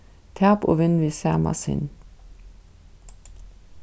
tap og vinn við sama sinn